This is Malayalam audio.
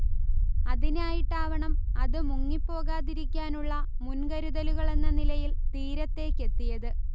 അതിനായിട്ടാവണം അത് മുങ്ങിപ്പോകാതിരിക്കാനുള്ള മുൻകരുതലുകൾ എന്ന നിലയിൽ തീരത്തേക്കെത്തിയത്